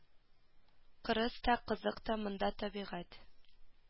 Кырыс та кызык та монда табигать